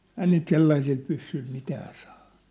ei niitä sellaisilla pyssyillä mitään saa